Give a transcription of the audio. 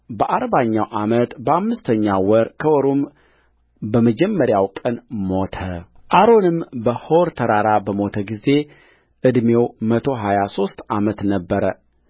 በአርባኛው ዓመት በአምስተኛው ወር ከወሩም በመጀመሪያው ቀን ሞተአሮንም በሖር ተራራ በሞተ ጊዜ ዕድሜው መቶ ሀያ ሦስት ዓመት ነበር